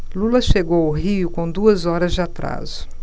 lula chegou ao rio com duas horas de atraso